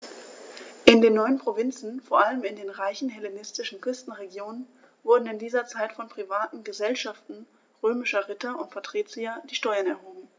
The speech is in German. In den neuen Provinzen, vor allem in den reichen hellenistischen Küstenregionen, wurden in dieser Zeit von privaten „Gesellschaften“ römischer Ritter und Patrizier die Steuern erhoben.